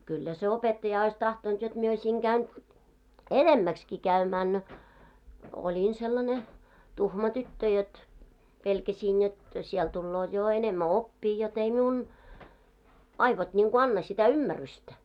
kyllä se opettaja olisi tahtonut jotta minä olisin käynyt enemmäksikin käymään no olin sellainen tuhma tyttö jotta pelkäsin jotta siellä tulee jo enemmän oppia jotta ei minun aivot niin kuin anna sitä ymmärrystä